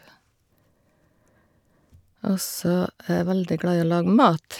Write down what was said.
Og så er jeg veldig glad i å lage mat.